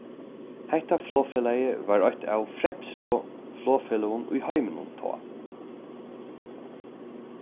hetta flogfelagið var eitt av fremstu flogfeløgum í heiminum tá